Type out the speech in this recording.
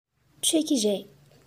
ཟ ཀི རེད